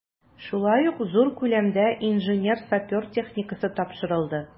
Шулай ук зур күләмдә инженер-сапер техникасы тапшырылды.